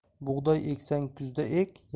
bug'doy eksang kuzda ek